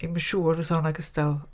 Ddim yn siŵr os 'sa honna gystal.